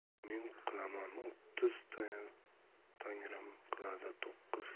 men qilaman o'ttiz tangrim qiladi to'qqiz